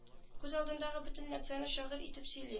Күз алдындагы бөтен нәрсәне шигырь итеп сөйли